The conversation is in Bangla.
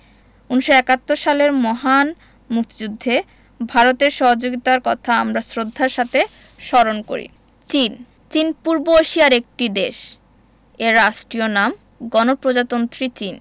১৯৭১ সালের মহান মুক্তিযুদ্ধে ভারতের সহযুগিতার কথা আমরা শ্রদ্ধার সাথে স্মরণ করি চীন চীন পূর্বএশিয়ার একটি দেশ এর রাষ্ট্রীয় নাম গণপ্রজাতন্ত্রী চীন